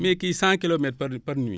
mais kii cent kilomètres par par nuit